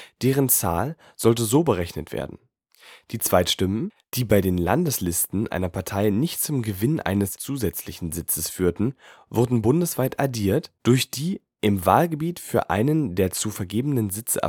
Deren Zahl sollte so berechnet werden: Die Zweitstimmen, die bei den Landeslisten einer Partei nicht zum Gewinn eines (zusätzlichen) Sitzes führten, wurden bundesweit addiert, durch die „ im Wahlgebiet für einen der zu vergebenden Sitze